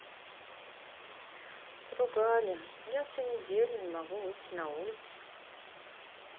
поругали я всю неделю не могу выйти на улицу